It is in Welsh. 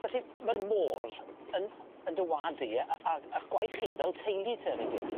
Felly ma'r môr yn yn dy wa'd di a- a- a'ch gwaith chi fel teulu te o'n i'n deall?